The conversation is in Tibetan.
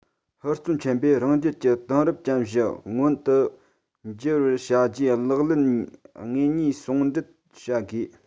ཧུར བརྩོན ཆེན པོས རང རྒྱལ གྱི དེང རབས ཅན བཞི མངོན དུ འགྱུར བར བྱ རྒྱུའི ལག ལེན དངོས གཉིས ཟུང འབྲེལ བྱ དགོས